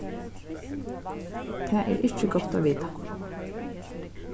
tað er ikki gott at vita